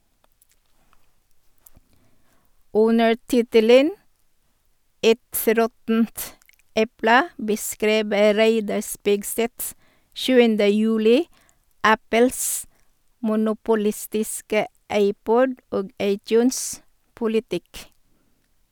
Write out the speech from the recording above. Under tittelen «Et råttent eple » beskriver Reidar Spigseth 7. juli Apples monopolistiske iPod- og iTunes- politikk.